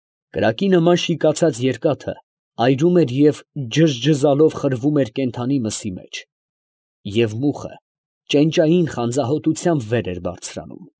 Կրակի նման շիկացած երկաթը այրում էր և ջզջզալով խրվում էր կենդանի մսի մեջ… և մուխը ճենճային խանձահոտությամբ վեր էր բարձրանում։